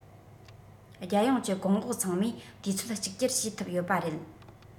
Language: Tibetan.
རྒྱལ ཡོངས ཀྱི གོང འོག ཚང མས དུས ཚོད གཅིག གྱུར བྱས ཐུབ ཡོད པ རེད